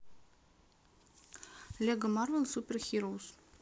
лего марвел супер хироус